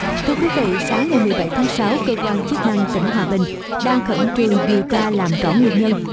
sáng cơ quan chức năng tỉnh hoà bình đang khẩn trương điều tra làm rõ nguyên nhân